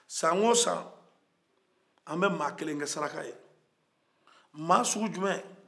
san o san an bɛ maa kelen kɛ saraka ye maa sugu jumɛ